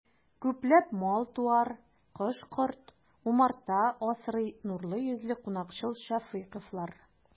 Күпләп мал-туар, кош-корт, умарта асрый нурлы йөзле, кунакчыл шәфыйковлар.